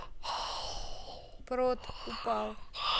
прод упал